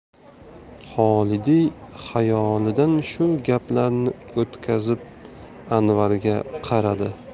xolidiy xayolidan shu gaplarni o'tkazib anvarga qaradi